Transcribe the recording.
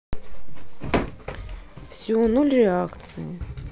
все ноль реакции